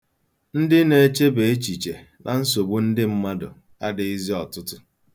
Ndị na-echeba echiche na nsogbu ndị mmadụ adịghịzị ọtụtụ.